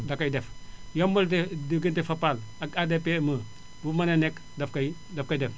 dakoy def yombal de diggante Fapal ak ADPME bu mënee nekk daf koy daf koy def